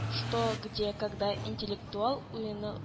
“что? где? когда?” интеллектуаль уены